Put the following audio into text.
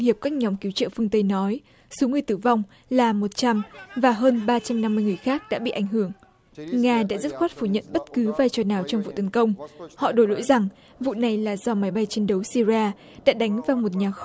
hiệp các nhóm cứu trợ phương tây nói số người tử vong là một trăm và hơn ba trăm năm mươi người khác đã bị ảnh hưởng nga đã dứt khoát phủ nhận bất cứ vai trò nào trong vụ tấn công họ đổ lỗi rằng vụ này là do máy bay chiến đấu sia ri a đã đánh vào một nhà kho